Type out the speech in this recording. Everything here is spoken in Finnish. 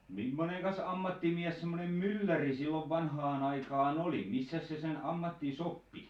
mimmoinen ammattimies semmoinen mylläri silloin vanhaan aikaan oli missäs se sen ammattinsa oppi